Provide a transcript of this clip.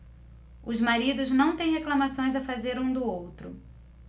os maridos não têm reclamações a fazer um do outro